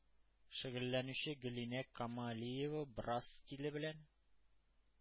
Шөгыльләнүче гөлинә камалиева брасс стиле белән